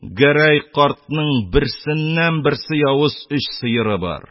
Гәрәй картның берсеннән-берсе явыз өч сыеры бар